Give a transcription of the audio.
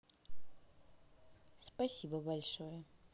спасибо большой